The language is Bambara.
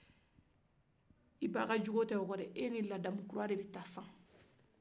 i ba ka cogo tɛ o kɔ dɛ e ni ladamukura de bɛ taa sisan